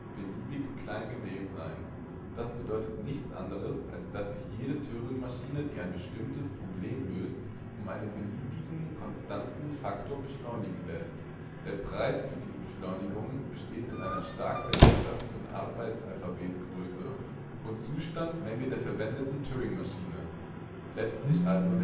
beliebig klein gewählt sein. Das bedeutet nichts anderes, als dass sich jede Turingmaschine, die ein bestimmtes Problem löst, um einen beliebigen konstanten Faktor beschleunigen lässt. Der Preis für diese Beschleunigung besteht in einer stark vergrößerten Arbeitsalphabetgröße und Zustandsmenge der verwendeten Turingmaschine (letztlich also